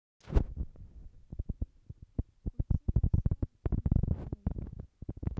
кучина все альбомы сделай